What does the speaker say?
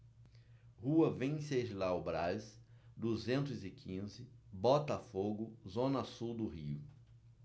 rua venceslau braz duzentos e quinze botafogo zona sul do rio